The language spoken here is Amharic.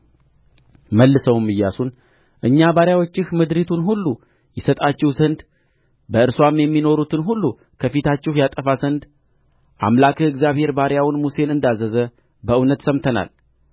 መልሰውም ኢያሱን እኛ ባሪያዎችህ ምድሪቱን ሁሉ ይሰጣችሁ ዘንድ በእርስዋም የሚኖሩትን ሁሉ ከፊታችሁ ያጠፋ ዘንድ አምላክህ እግዚአብሔር ባሪያውን ሙሴን እንዳዘዘ በእውነት ሰምተናል